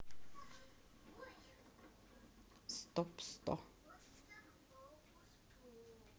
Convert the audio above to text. стоп сто